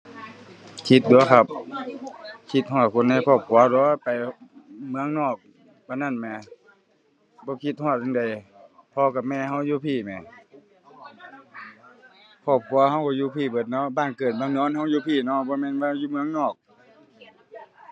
คิดตั่วครับ คิดฮอดคนในครอบครัวตั่ว ไปเมืองนอกปานนั้นแหม บ่คิดฮอดจั่งใด พ่อกับแม่เราอยู่พี้แหม ครอบครัวเราเราอยู่พี้เบิดเนาะ บ้านเกิดเมืองนอนเราอยู่พี้เนาะ บ่แม่นว่าอยู่เมืองนอก